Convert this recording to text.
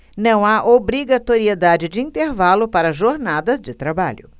não há obrigatoriedade de intervalo para jornadas de trabalho